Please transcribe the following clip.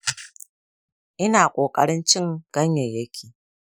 ina ƙoƙarin cin ganyayyaki.